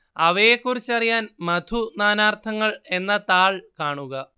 അവയെക്കുറിച്ചറിയാൻ മധു നാനാർത്ഥങ്ങൾ എന്ന താൾ കാണുക